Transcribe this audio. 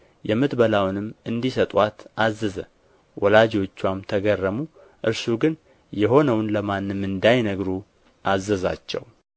የምትበላውንም እንዲሰጡአት አዘዘ ወላጆችዋም ተገረሙ እርሱ ግን የሆነውን ለማንም እንዳይነግሩ አዘዛቸው